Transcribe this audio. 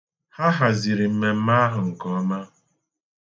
Ha haziri mmemme ahụ nke ọmạ